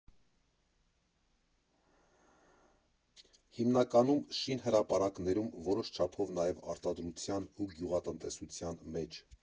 Հիմնականում՝ շինհրապարակներում, որոշ չափով նաև՝ արտադրության ու գյուղատնտեսության մեջ։